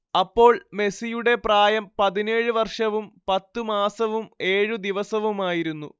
അപ്പോൾ മെസ്സിയുടെ പ്രായം പതിനേഴ് വർഷവും പത്ത് മാസവും ഏഴ് ദിവസവുമായിരുന്നു